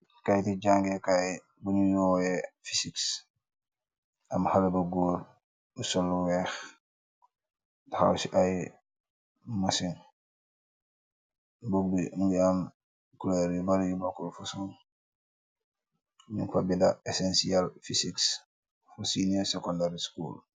Kay ti jangeekaay buñu yoowee pisiks am xalaba góor usolu weex howshi ay masin bog bi ngi am kler yu bara yu bokkul fosol nun fa bida essenciel phisik fosinie senior secondary school.